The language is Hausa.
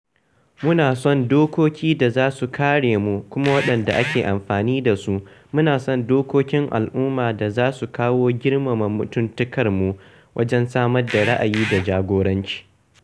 Muna son dokoki da za su kare mu kuma waɗanda ake amfani da su, muna son dokokin al'umma da za su kawo girmama mutuntakarmu wajen samar da ra'ayi da jagoranci.